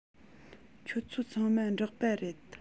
ཁྱོད ཚོ ཚང མ འབྲོག པ རེད